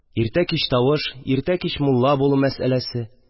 Иртә-кич тавыш, иртә-кич мулла булу мәсьәләсе